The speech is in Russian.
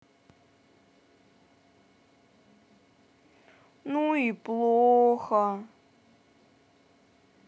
ну и плохо